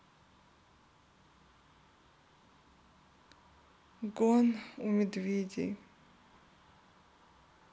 гон у медведей